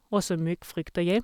Og så mygg, frykter jeg.